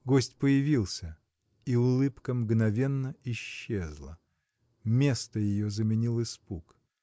Гость появился, и улыбка мгновенно исчезла; место ее заменил испуг.